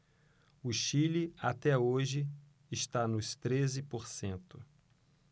o chile até hoje está nos treze por cento